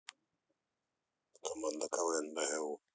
команда квн бгу